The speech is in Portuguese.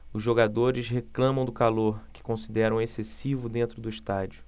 os jogadores reclamam do calor que consideram excessivo dentro do estádio